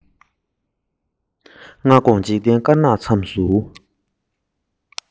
ཙི ཙི མཐོང མ མྱོང བའི ང ཚོ ལ